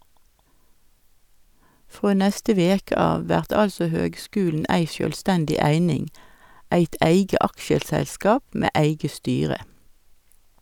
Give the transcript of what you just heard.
Frå neste veke av vert altså høgskulen ei sjølvstendig eining, eit eige aksjeselskap med eige styre.